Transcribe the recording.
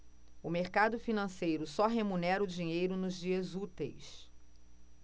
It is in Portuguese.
o mercado financeiro só remunera o dinheiro nos dias úteis